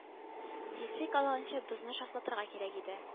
Тизлек алганчы бозны шартлатырга кирәк иде